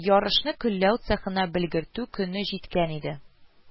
Ярышны көлләү цехына белгертү көне җиткән иде